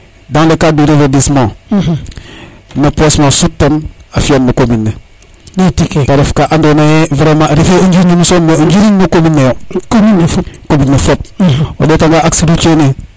dans le cadre du reverdissement no poche na sutan a fiyan no commune ne ndeti keke te ref ka ando naye vraiment ref o njiriñ wo soom de o njiriñ no commune ne yo commeune ne fop o ndeta nga